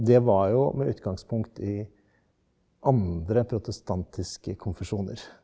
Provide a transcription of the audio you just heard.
det var jo med utgangspunkt i andre protestantiske konfesjoner.